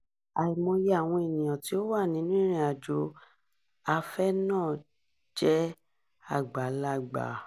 Àìmọye àwọn ènìyàn tí ó wà nínú ìrìnàjò afẹ́ náà jẹ́ àgbàlagbà.